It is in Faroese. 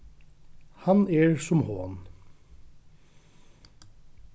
hann er sum hon